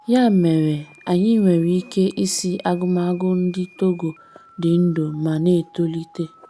Ya mere, anyị nwere ike ịsị agụmagụ ndị Togo dị ndụ ma na-etolite.